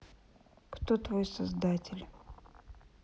кто твой создатель